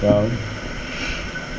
waaw